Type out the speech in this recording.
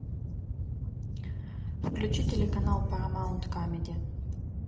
включи телеканал парамаунт камеди